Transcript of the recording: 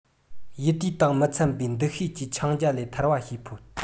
ཡུལ དུས དང མི འཚམ པའི འདུ ཤེས ཀྱི འཆིང རྒྱ ལས ཐར བ བྱེད ཕོད